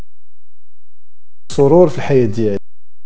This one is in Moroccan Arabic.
سرور في حي الجسر